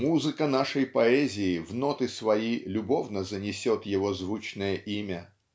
Музыка нашей поэзии в ноты свои любовно занесет его звучное имя.